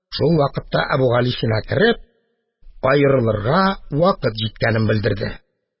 Шул вакытта Әбүгалисина, кереп, аерылырга вакыт җиткәнен белдерде.